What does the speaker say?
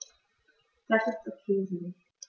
Das ist ok so.